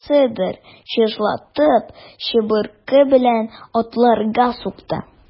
Кайсыдыр чыжлатып чыбыркы белән атларга сукты.